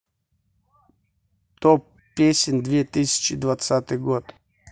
топ песен две тысячи двадцатый год